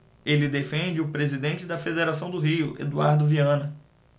ele defende o presidente da federação do rio eduardo viana